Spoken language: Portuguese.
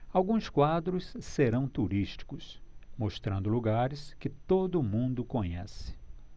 alguns quadros serão turísticos mostrando lugares que todo mundo conhece